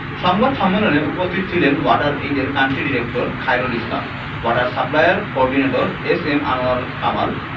সংবাদ সম্মেলনে উপস্থিত ছিলেন ওয়াটার এইডের country director Khairul Islam water সাপ্লাইর coordinator S M Anwar Kamal